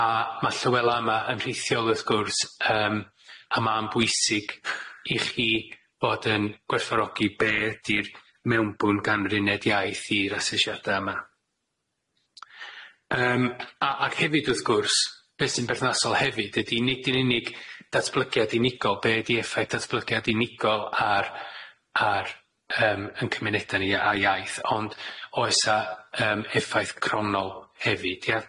A ma' Llywela yma yn rheithiol wrth gwrs yym, a ma'n bwysig i chi bod yn gwerthfawrogi be' ydi'r mewnbwn gan r'uned iaith i'r asesiada yma. Yym a ac hefyd wrth gwrs beth sy'n berthnasol hefyd ydi nid yn unig datblygiad unigol be' ydi effaith datblygiad unigol ar ar yym ein cymuneda ni a iaith ond oes a yym effaith cronol hefyd ia?